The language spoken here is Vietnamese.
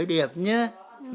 đẹp nhớ